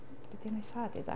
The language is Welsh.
Be 'di enw ei thad hi dwad?